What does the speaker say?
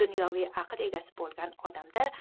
dunyoviy aql egasi bo'lgan odamda